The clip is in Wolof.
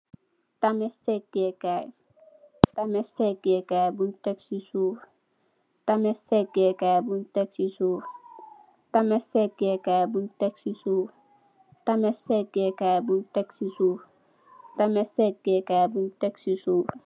Tameh sengeh Kai buñ tek ci suuf.